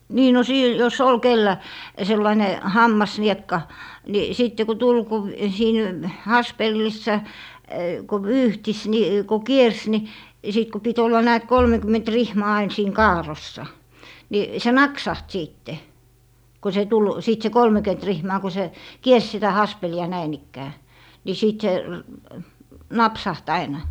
niin no sitten jos oli kenellä sellainen hammasniekka niin sitten kun tuli kun siinä haspelissa kun vyyhtisi niin kun kiersi niin ja sitten kun piti olla näet kolmekymmentä rihmaa aina siinä kaarrossa niin se naksahti sitten kun se tuli sitten se kolmekymmentä rihmaa kun se kiersi sitä haspelia näin ikään sitten sitten se napsahti aina